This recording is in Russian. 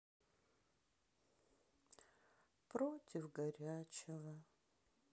против горячего